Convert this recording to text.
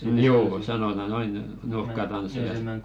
ne joo sanotaan noin nurkkatansseja